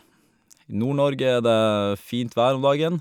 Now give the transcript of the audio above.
I Nord-Norge er det fint vær om dagen.